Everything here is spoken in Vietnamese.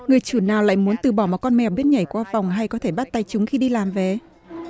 người chủ nào lại muốn từ bỏ một con mèo biết nhảy qua vòng hay có thể bắt tay chúng khi đi làm về